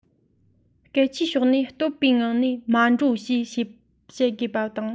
སྐད ཆའི ཕྱོགས ནས སྤོབས པོའི ངང ནས མ འགྲོ ཞེས བཤད དགོས པ དང